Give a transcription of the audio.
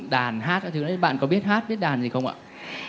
đàn hát các thứ nữa bạn có biết hát biết đàn gì không ạ